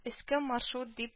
Өске маршрут дип